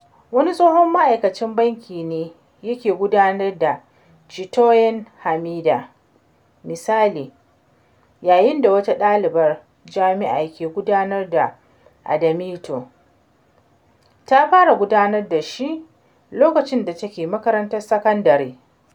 Wani tsohon ma’aikacin banki ne yake gudanar da Citoyen Hmida, misali; yayin da wata ɗalibar jami’a ke gudanar da Adamito (ta fara gudanar da shi lokacin da take makarantar sakandare).